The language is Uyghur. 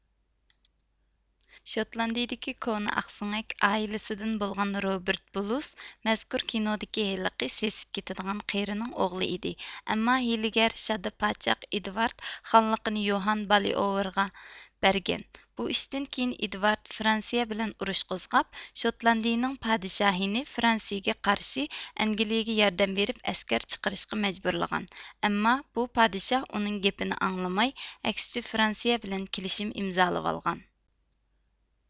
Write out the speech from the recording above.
شوتلاندىيىدىكى كونا ئاقسۆڭەك ئائىلىسىدىن بولغان روبىرت بۇلۇس مەزكۇر كىنودىكى ھېلىقى سېسىپ كىتىدىغان قېرىنىڭ ئوغلى ئىدى ئەمما ھىيلىگەر شادا پاچاق ئىدۋارد خانلىقنى يوھان بالىئوۋرغا بەرگەن بۇ ئىشتىن كىيىن ئىدۋارد فىرانسىيە بىلەن ئۇرۇش قوزغاپ شوتلاندىيىنىڭ پادىشاھىنى فىرانسىيىگە قارشى ئەنگىلىيەگە ياردەم بىرىپ ئەسكەر چىقىرىشقا مەجبۇرلىغان ئەمما بۇ پادىشاھ ئۇنىڭ گېپىنى ئاڭلىماي ئەكسىچە فىرانسىيە بىلەن كىلىشىم ئىمزالىۋالغان